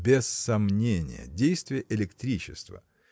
– Без сомнения, действие электричества